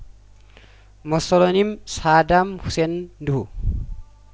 ሞሶሎኒም ሳዳም ሁሴን እንዲሁ